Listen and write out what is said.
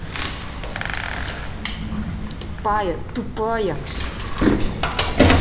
тупая тупая